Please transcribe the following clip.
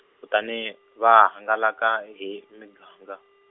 kutani, va hangalaka hi, miganga.